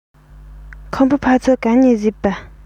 ཁམ བུ ཕ ཚོ ག ནས གཟིགས པ